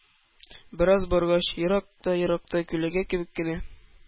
Бераз баргач, еракта-еракта күләгә кебек кенә